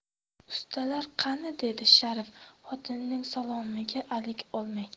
ustalar qani dedi sharif xotinining salomiga alik olmay